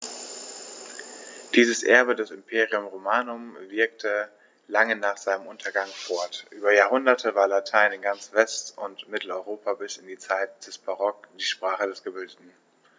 Dieses Erbe des Imperium Romanum wirkte lange nach seinem Untergang fort: Über Jahrhunderte war Latein in ganz West- und Mitteleuropa bis in die Zeit des Barock die Sprache der Gebildeten.